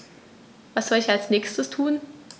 Was soll ich als Nächstes tun?